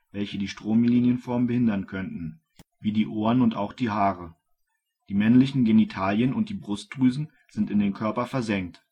welche die Stromlinienform behindern könnten, wie die Ohren und auch die Haare. Die männlichen Genitalien und die Brustdrüsen sind in den Körper versenkt